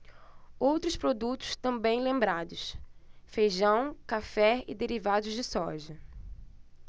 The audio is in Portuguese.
outros produtos também lembrados feijão café e derivados de soja